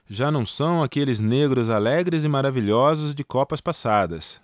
já não são aqueles negros alegres e maravilhosos de copas passadas